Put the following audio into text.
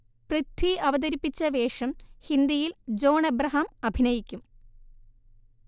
പൃഥ്വി അവതരിപ്പിച്ച വേഷം ഹിന്ദിയിൽ ജോൺ എബ്രഹാം അഭിനയിക്കും